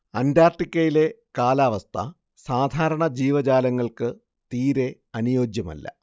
അന്റാർട്ടിക്കയിലെ കാലാവസ്ഥ സാധാരണ ജീവജാലങ്ങൾക്ക് തീരെ അനുയോജ്യമല്ല